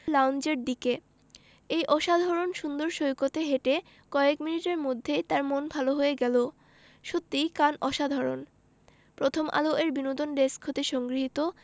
লাউঞ্জের দিকে এই অসাধারণ সুন্দর সৈকতে হেঁটে কয়েক মিনিটের মধ্যেই তার মন ভালো হয়ে গেল সত্যিই কান অসাধারণ প্রথমআলো এর বিনোদন ডেস্ক হতে সংগৃহীত